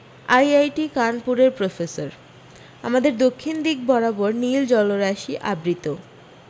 IIT কানপুরের professor আমাদের দক্ষিণ দিক বরাবর নিল জলরাশি আবৃত